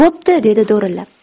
bo'pti dedi do'rillab